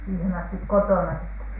siihen asti kotona sitten